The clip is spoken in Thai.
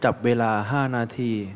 จับเวลาห้านาที